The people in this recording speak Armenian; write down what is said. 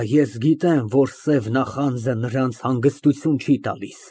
Ա, ես գիտեմ, որ սև նախանձը նրանց հանգստություն չի տալիս։